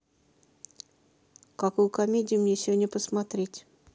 какую комедию мне сегодня посмотреть